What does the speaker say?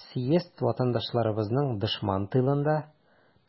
Съезд ватандашларыбызның дошман тылында,